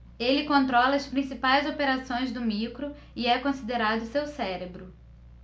ele controla as principais operações do micro e é considerado seu cérebro